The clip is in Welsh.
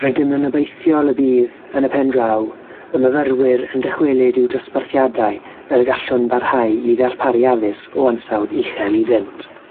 Rydym yn obeithiol y bydd, yn y pen draw, y myfyrwyr yn dychwelyd i'w dosbarthiadau fel gallwn barhau i ddarparu addysg o ansawdd uchel iddynt.